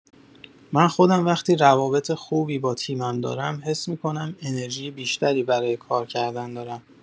من خودم وقتی روابط خوبی با تیمم دارم، حس می‌کنم انرژی بیشتری برای کار کردن دارم.